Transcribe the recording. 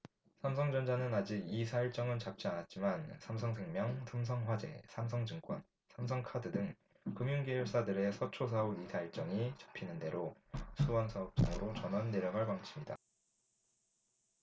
삼성전자는 아직 이사 일정은 잡지 않았지만 삼성생명 삼성화재 삼성증권 삼성카드 등 금융계열사들의 서초 사옥 이사 일정이 잡히는 대로 수원사업장으로 전원 내려갈 방침이다